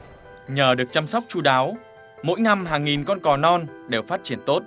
nhờ được chăm sóc chu đáo mỗi năm hàng nghìn con cò non đều phát triển tốt